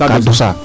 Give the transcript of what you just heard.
kaa dosaa